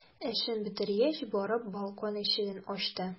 Эшен бетергәч, барып балкон ишеген ачты.